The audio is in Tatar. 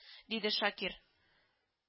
— диде шакир